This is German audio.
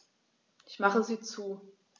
Ich mache sie zu.